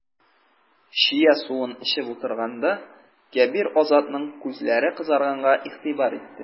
Чия суын эчеп утырганда, Кәбир Азатның күзләре кызарганга игътибар итте.